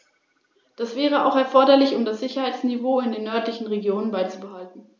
Die verstärkte Zusammenarbeit ist meiner Meinung nach eine absolute Sackgasse.